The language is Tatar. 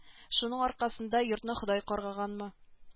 Шуның аркасында йортны ходай каргаганмы